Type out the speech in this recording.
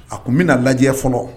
A tun n bɛna na lajɛ fɔlɔ